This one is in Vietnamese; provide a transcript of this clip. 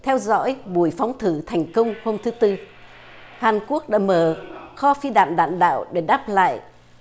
theo dõi buổi phóng thử thành công hôm thứ tư hàn quốc đã mở kho phi đạn đạn đạo để đáp lại